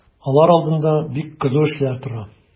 Алар алдында бик кызу эшләр тора.